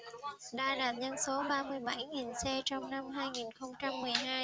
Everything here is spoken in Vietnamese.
đa đạt doanh số ba mươi bảy nghìn xe trong năm hai nghìn không trăm mười hai